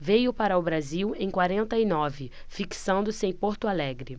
veio para o brasil em quarenta e nove fixando-se em porto alegre